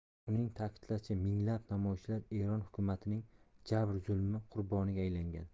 uning ta'kidlashicha minglab namoyishchilar eron hukumatining jabr zulmi qurboniga aylangan